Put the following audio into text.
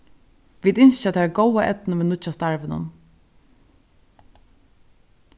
vit ynskja tær góða eydnu við nýggja starvinum